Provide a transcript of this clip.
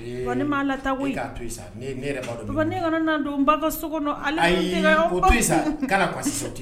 Ee! papa ne m'a lataa koyi! E k'a to yen sa; Ne ne yɛrɛ b'a don min don; Papa, kana na don n ba ka so kɔnɔ, ale yɛrɛ; Ayi o to yen sa, kana kasi.